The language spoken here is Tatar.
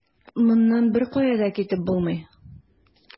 Моннан беркая да китеп булмый.